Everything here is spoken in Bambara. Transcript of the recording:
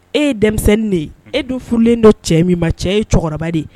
E ye denmisɛnnin de ye e dun furulen don cɛ min ma cɛ ye cɛkɔrɔba de ye